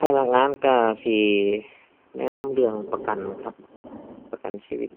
พนักงานก็สิแนะนำเรื่องประกันครับ ประกันชีวิต